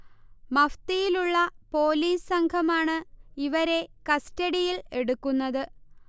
മഫ്തിയിലുള്ള police സംഘമാണ് ഇവരെ കസ്റ്റഡിയിൽ എടുക്കുന്നത്